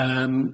Yym.